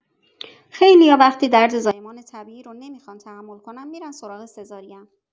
خیلی‌ها وقتی درد زایمان طبیعی رو نمی‌خوان تحمل کنن می‌رن سراغ سزارین.